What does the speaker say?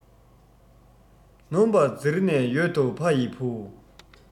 ནོམ པ འཛིར ནས ཡོད དོ ཕ ཡི བུ